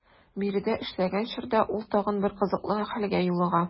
Биредә эшләгән чорда ул тагын бер кызыклы хәлгә юлыга.